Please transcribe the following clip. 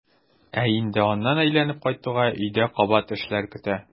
Ә инде аннан әйләнеп кайтуга өйдә кабат эшләр көтә.